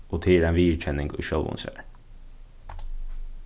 og tað er ein viðurkenning í sjálvum sær